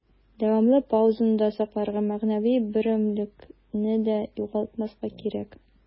Дәвамлы паузаны да сакларга, мәгънәви берәмлекне дә югалтмаска кирәк.